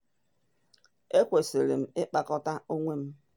Ekwesịrị m ịkpakọta onwe m.”